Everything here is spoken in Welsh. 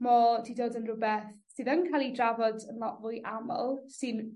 Mo 'di dod yn rwbeth sydd yn ca'l 'i drafod yn lot fwy aml sy'n